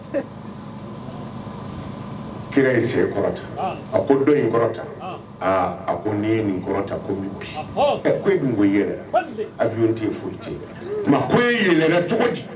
Kira ye sen kɔrɔta, anhan, a ko dɔ in kɔrɔta, a ko, ah, nin ye nin kɔrɔta, balik avion _ tɛ yen, foyi tɛ yen a ko k'e yɛlɛla cogo di ?